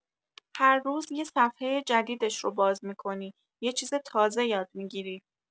هر روز یه صفحه جدیدش رو باز می‌کنی، یه چیز تازه یاد می‌گیری.